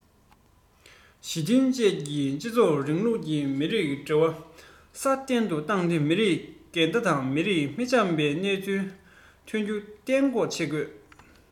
ཞི མཐུན བཅས ཀྱི སྤྱི ཚོགས རིང ལུགས ཀྱི མི རིགས འབྲེལ བ སྲ བརྟན དུ བཏང སྟེ མི རིགས འགལ ཟླ དང མི རིགས མི འཆམ པའི སྣང ཚུལ ཐོན རྒྱུ གཏན འགོག བྱེད དགོས